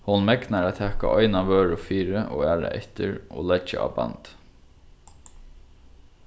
hon megnar at taka eina vøru fyri og aðra eftir og leggja á bandið